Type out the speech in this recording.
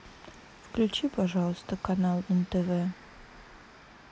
включи пожалуйста канал нтв